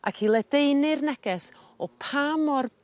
ac i ledaenu'r neges o pa mor